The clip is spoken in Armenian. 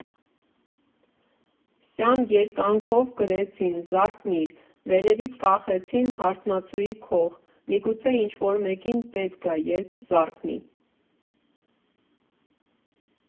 Սյան երկայնքով գրեցին «Զարթնի՛ր», վերևից կախեցին հարսնացուի քող՝ միգուցե ինչ֊որ մեկին պետք գա, երբ զարթնի։